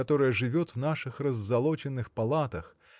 которая живет в наших раззолоченных палатах